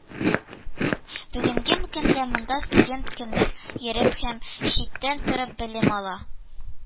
Бүгенге көндә монда студент көндез йөреп һәм читтән торып белем ала